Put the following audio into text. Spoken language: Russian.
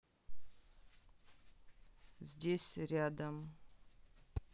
здесь рядом